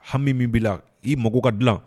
Hami min b'i la, i mago ka dilan